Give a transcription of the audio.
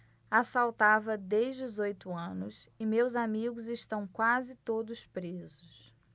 assaltava desde os oito anos e meus amigos estão quase todos presos